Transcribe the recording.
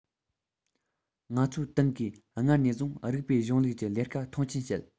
ང ཚོའི ཏང གིས སྔར ནས བཟུང རིགས པའི གཞུང ལུགས ཀྱི ལས ཀ མཐོང ཆེན བྱེད